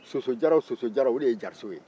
sosojaraw sosojaraw o de ye jariso ye